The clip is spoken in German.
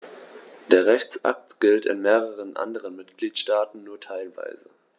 Der Rechtsakt gilt in mehreren anderen Mitgliedstaaten nur teilweise.